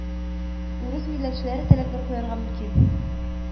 Урыс милләтчеләре таләпләр куярга мөмкин